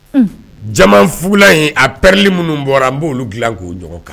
Jama fula in a pɛli minnu bɔra an b'olu dilan k'o jɔ kan